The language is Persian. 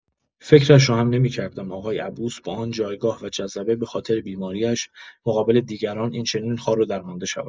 فکرش را هم نمی‌کردم آقای عبوس با آن جایگاه و جذبه به‌خاطر بیماری‌اش، مقابل دیگران این‌چنین خار و درمانده شود.